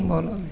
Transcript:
mbooloo mi